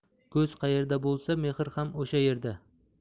ko'z qayerda bo'lsa mehr ham o'sha yerda